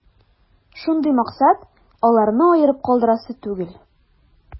Шундый максат: аларны аерып калдырасы түгел.